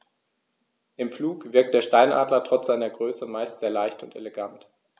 Im Flug wirkt der Steinadler trotz seiner Größe meist sehr leicht und elegant.